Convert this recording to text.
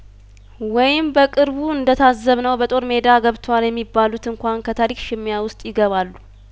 ወይም በቅርቡ እንደታዘብነው በጦሩ ሜዳ ገብተዋል የሚባሉት እንኳን ከታሪክ ሽሚያ ውስጥ ይገባሉ